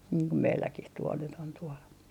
niin kuin meilläkin tuolla nyt on tuolla